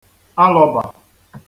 alọ̄bà